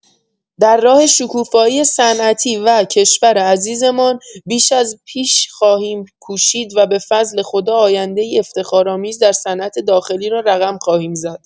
در راه شکوفایی صنعتی و کشور عزیزمان بیش از پیش خواهیم کوشید و به فضل خدا آینده‌ای افتخارآمیز در صنعت داخلی را رقم خواهیم زد.